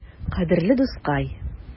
Кадерле дускай!